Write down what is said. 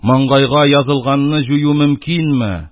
Маңгайга язылганны җую мөмкинме?